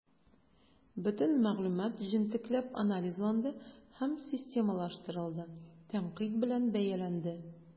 Бөтен мәгълүмат җентекләп анализланды һәм системалаштырылды, тәнкыйть белән бәяләнде.